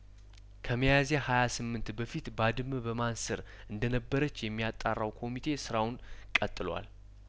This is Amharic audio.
ከሚያዚያ ሀያስምንት በፊት ባድመ በማን ስር እንደነበረች የሚያጣራው ኮሚቴ ስራውን ቀጥሏል